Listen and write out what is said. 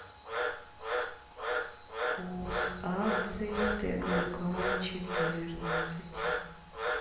курс акций тгк четырнадцать